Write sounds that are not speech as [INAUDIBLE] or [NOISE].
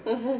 [HESITATION] [HESITATION]